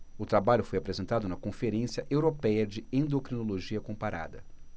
o trabalho foi apresentado na conferência européia de endocrinologia comparada